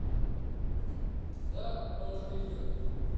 да он уже идет